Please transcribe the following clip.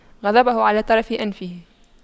غضبه على طرف أنفه